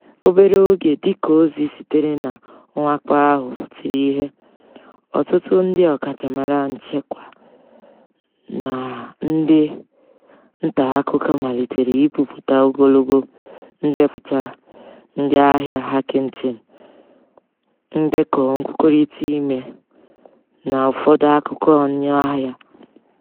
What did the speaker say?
Obere oge dịka ozi sitere na mwakpo ahụ pụtara ìhè, ọtụtụ ndị ọkachamara nchekwa na ndị ntaakụkọ malitere ibipụta ogologo ndepụta ndịahịa Hacking Team, ndekọ nkwukọrịta ime, na ụfọdụ akwụkwọ ọnụahịa.